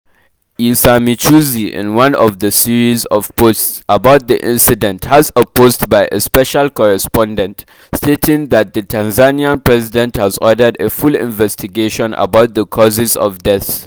Issa Michuzi, in one of the series of posts about the incident has a post by a special correspondent stating that the Tanzanian President has ordered a full investigation about the causes of deaths.